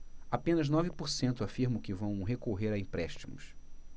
apenas nove por cento afirmam que vão recorrer a empréstimos